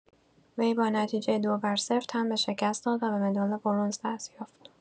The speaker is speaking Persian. وی با نتیجه ۲ بر صفر تن به شکست داد و به مدال برنز دست‌یافت.